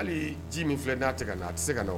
Hali ji min filɛ n'a tɛ ka na a tɛ se ka n na